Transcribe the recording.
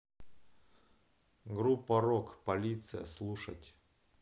группа рок полиция слушать